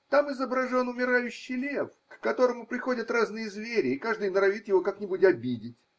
Там изображен умирающий лев, к которому приходят разные звери, и каждый норовит его как-нибудь обидеть.